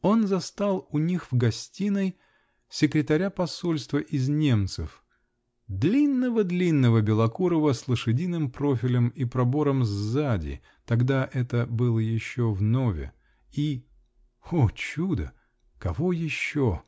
Он застал у них в гостиной секретаря посольства из немцев, длинного-длинного, белокурого, с лошадиным профилем и пробором сзади (тогда это было еще внове) и. о чудо! кого еще?